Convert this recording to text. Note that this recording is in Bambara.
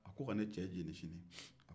a ko ka ne cɛ jeni sini